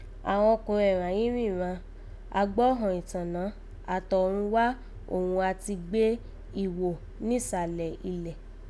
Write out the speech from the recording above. Àghan ọkọ̀nrẹn ghàn yìí ríran "àghòrán ìtọ́nà" àtọ̀rọn wá òghun a ti gbẹ́n ìwò nísàlẹ̀ ilẹ̀